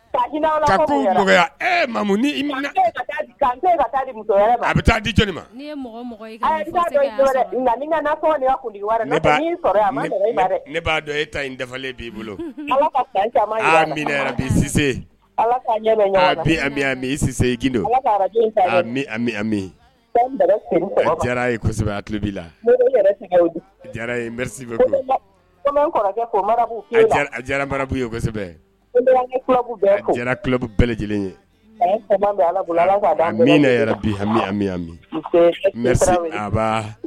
Di b bolo yebi labu bɛɛ lajɛlen yemi